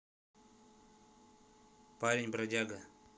парень бродяга